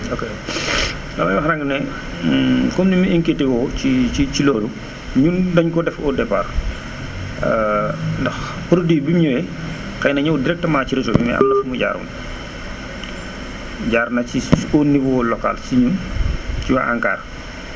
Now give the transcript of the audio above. ok damay wax rek ne comme ni mu inquièté woo ci ci ci loolu ñun dañ ko def au départ ndax produit bi mu ñëwee xëy na ñëwul directement ci réseau bi mais am na fu mu jaaroon jaar na ci au niveau local ci ci waa ANCAR